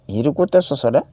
Yiri ko tɛ sɔsɔ dɛ